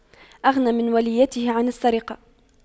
أغن من وليته عن السرقة